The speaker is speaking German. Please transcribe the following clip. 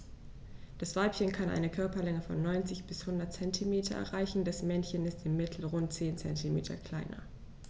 Das Weibchen kann eine Körperlänge von 90-100 cm erreichen; das Männchen ist im Mittel rund 10 cm kleiner.